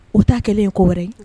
O ta kɛlen ye ko wɛrɛ ye